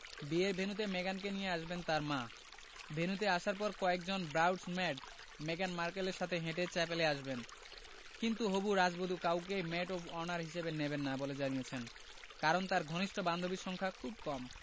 বিয়ের ভেন্যুতে মেগানকে নিয়ে আসবেন তাঁর মা ভেন্যুতে আসার পর কয়েকজন ব্রাউডস মেড মেগান মার্কেলের সাথে হেঁটে চ্যাপেলে আসবেন কিন্তু হবু রাজবধূ কাউকেই মেড অব অনার হিসেবে নেবেন না বলে জানিয়েছেন কারণ তাঁর ঘনিষ্ঠ বান্ধবীর সংখ্যা খুব কম